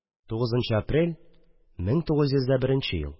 9 нчы апрель, 1901 ел